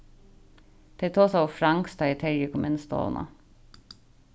tey tosaðu franskt tá ið terji kom inn í stovuna